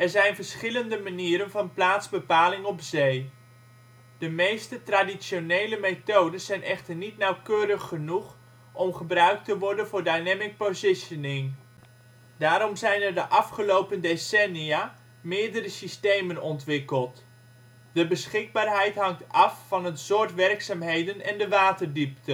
zijn verschillende manieren van plaatsbepaling op zee. De meeste traditionele methodes zijn echter niet nauwkeurig genoeg om gebruikt te worden voor dynamic positioning. Daarom zijn er de afgelopen decennia meerdere systemen ontwikkeld. De beschikbaarheid hangt af van het soort werkzaamheden en de waterdiepte